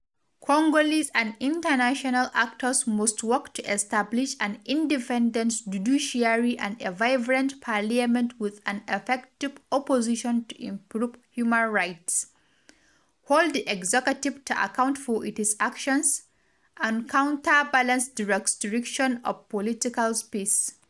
Congolese and international actors must work to establish an independent judiciary and a vibrant parliament with an effective opposition to improve human rights, hold the executive to account for its actions, and counterbalance the restriction of political space.